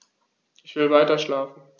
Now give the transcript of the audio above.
Ich will weiterschlafen.